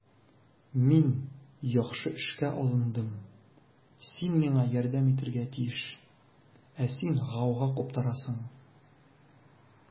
Мин яхшы эшкә алындым, син миңа ярдәм итәргә тиеш, ә син гауга куптарасың.